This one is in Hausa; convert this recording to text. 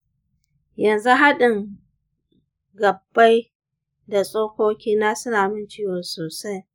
yanzu haɗin gabbai da tsokokina suna min ciwo sosai.